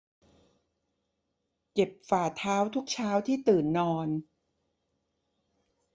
เจ็บฝ่าเท้าทุกเช้าที่ตื่นนอน